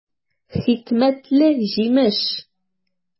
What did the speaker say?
Хикмәтле җимеш!